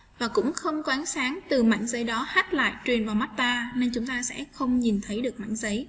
cũng không có ánh sáng từ mạng dưới đó hát lại truyền vào mắt ta nên chúng ta sẽ không nhìn thấy được làm giấy